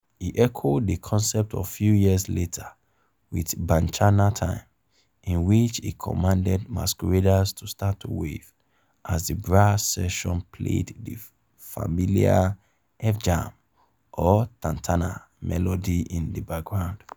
He echoed the concept a few years later with "Bacchanal Time", in which he commanded masqueraders to "start to wave" as the brass section played the familiar "F-jam" or "tantana" melody in the background.